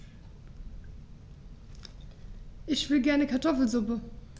Ich will gerne Kartoffelsuppe.